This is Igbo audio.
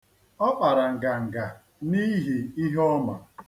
Ọ kpara nganga n'ihi ihe ọ ma.